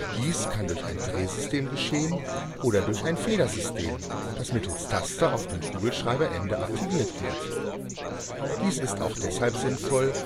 Dies kann durch ein Drehsystem geschehen oder durch ein Federsystem, das mittels Taster auf dem Kugelschreiberende aktiviert wird. Dies ist auch deshalb sinnvoll